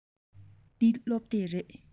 འདི སློབ དེབ རེད